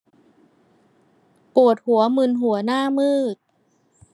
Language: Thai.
ปวดหัวมึนหัวหน้ามืด